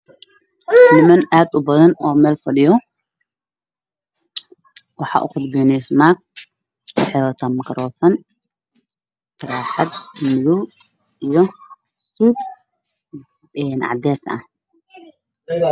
Niman waad u badan oo fadhiyo meel wax u qudbayneyso naag